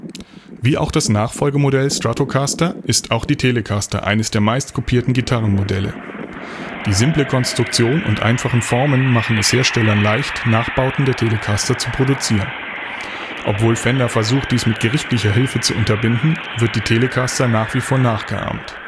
Wie auch das Nachfolgemodell Stratocaster ist auch die Telecaster eines der meistkopierten Gitarrenmodelle. Die simple Konstruktion und einfachen Formen machen es Herstellern leicht, Nachbauten der Telecaster zu produzieren. Obwohl Fender versucht, dies mit gerichtlicher Hilfe zu unterbinden, wird die Telecaster nach wie vor nachgeahmt